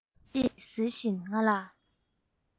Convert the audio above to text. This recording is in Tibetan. ཅེས ཟེར བཞིན ང ལ